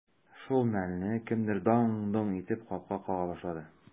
Шул мәлне кемдер даң-доң итеп капка кага башлады.